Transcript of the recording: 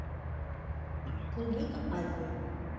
клубника азия